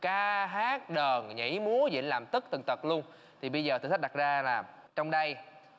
ca hát đờn nhảy múa dậy làm tất tần tật luông thì bây giờ thử thách đặt ra là trong đây